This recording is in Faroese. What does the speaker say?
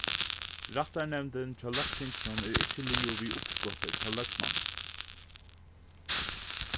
rættarnevndin hjá løgtinginum er ikki liðug við uppskotið hjá løgmanni